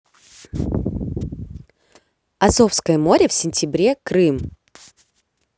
азовское море в сентябре крым